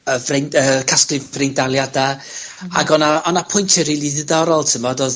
y frein-, y casglu freindaliada. Ag o' 'na, o' 'na pwyntie rili ddiddorol t'mod odd